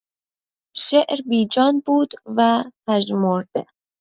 شعر بی‌جان بود و پژمرده!